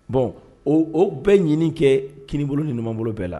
Bon o bɛɛ ɲini kɛ kinibolo niumanumabolo bɛɛ la